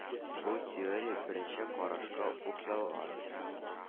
Бу теория беренче карашка ук ялган.